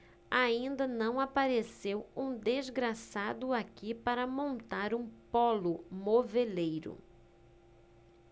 ainda não apareceu um desgraçado aqui para montar um pólo moveleiro